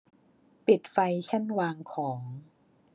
ปิดไฟชั้นวางของ